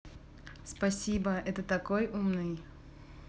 спасибо это такой умный